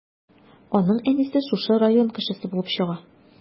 Аның әнисе шушы район кешесе булып чыга.